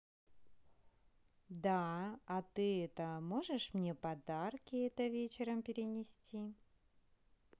да а ты это можешь мне подарки это вечером перенести